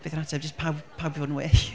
Beth yw'r ateb? Jyst paw- pawb i fod yn well?